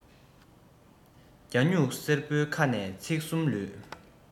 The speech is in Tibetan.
རྒྱ སྨྱུག གསེར པོའི ཁ ནས ཚིག གསུམ ལུས